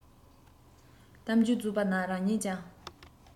གཏམ རྒྱུད རྫོགས པ ན རང ཉིད ཀྱང